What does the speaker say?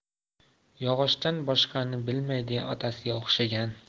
yog'ochdan boshqani bilmaydigan otasiga o'xshagan